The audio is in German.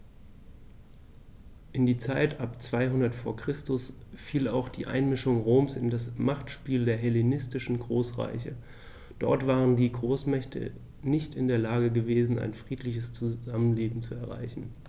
In die Zeit ab 200 v. Chr. fiel auch die Einmischung Roms in das Machtspiel der hellenistischen Großreiche: Dort waren die Großmächte nicht in der Lage gewesen, ein friedliches Zusammenleben zu erreichen.